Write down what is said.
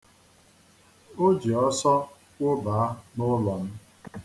O ji ọsọ kwobaa n'ụlọ m.